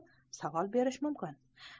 savol berish mumkin